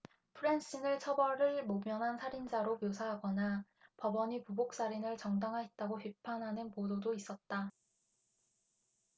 프랜신을 처벌을 모면한 살인자로 묘사하거나 법원이 보복살인을 정당화했다고 비판하는 보도도 있었다